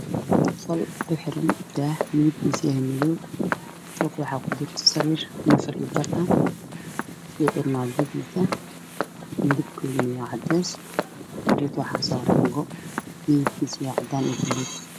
Qol ku xiran daah midabkiisa yahay madow sariirta waxaa saaran go